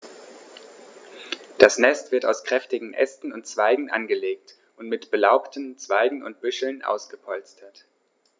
Das Nest wird aus kräftigen Ästen und Zweigen angelegt und mit belaubten Zweigen und Büscheln ausgepolstert.